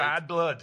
Bad blood.